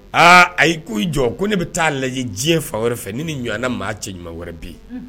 Aa a ko i jɔ ko ne bɛ taa lajɛ diɲɛ fan wɛrɛ fɛ ni ni ɲɔ na maa cɛ ɲuman wɛrɛ bi